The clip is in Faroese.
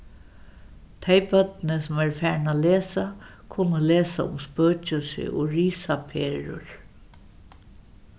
tey børnini sum eru farin at lesa kunnu lesa um spøkilsi og risaperur